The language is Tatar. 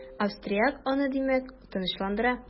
Австрияк аны димәк, тынычландыра.